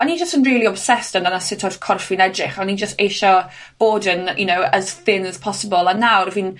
o'n i jyst yn rili obsessed amdano sut odd corff fi'n edrych, a o'n i'n jyst eisio bod yn you know as thin as possible. A nawr fi'n